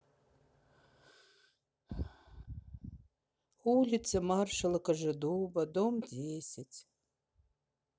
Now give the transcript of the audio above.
улица маршала кожедуба дом десять